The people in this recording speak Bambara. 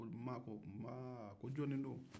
ma ko ko jɔnni don